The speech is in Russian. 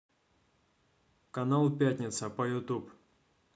канал пятница по ютуб